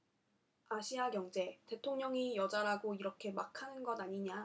아시아경제 대통령이 여자라고 이렇게 막 하는 것 아니냐